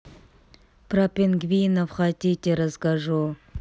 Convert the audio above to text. про пингвинов хотите расскажу